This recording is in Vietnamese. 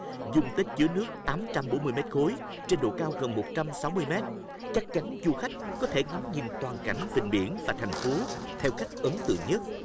dung tích chứa nước tám trăm bốn mươi mét khối trên độ cao gần một trăm sáu mươi mét chắc chắn du khách có thể ngắm nhìn toàn cảnh vịnh biển và thành phố theo cách ấn tượng nhất